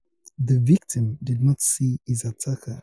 The victim did not see his attacker.